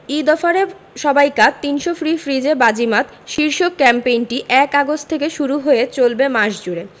ঈদ অফারে সবাই কাত ৩০০ ফ্রি ফ্রিজে বাজিমাত শীর্ষক ক্যাম্পেইনটি ১ আগস্ট থেকে শুরু হয়ে চলবে মাস জুড়ে